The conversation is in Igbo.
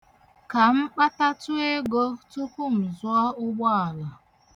Ka m kpatatụ ego tupu m zụọ ụgbaala.